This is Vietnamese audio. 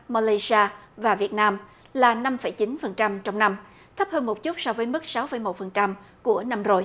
ma lay si a và việt nam là năm phẩy chín phần trăm trong năm thấp hơn một chút so với mức sáu phẩy một phần trăm của năm rồi